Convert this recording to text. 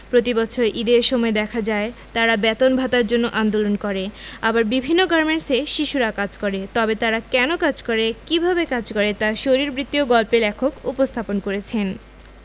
প্রতিবছর ঈদের সময় দেখা যায় তারা বেতন ভাতার জন্য আন্দোলন করে আবার বিভিন্ন গার্মেন্টসে শিশুরা কাজ করে তবে তারা কেন কাজ করে কিভাবে কাজ করে তা শরীরবৃত্তীয় গল্পে লেখক উপস্থাপন করেছেন